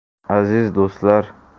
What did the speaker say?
aziz do'stlar